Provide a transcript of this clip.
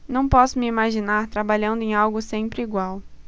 não posso me imaginar trabalhando em algo sempre igual